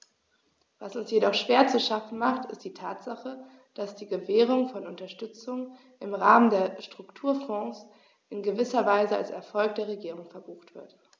Was uns jedoch schwer zu schaffen macht, ist die Tatsache, dass die Gewährung von Unterstützung im Rahmen der Strukturfonds in gewisser Weise als Erfolg der Regierung verbucht wird.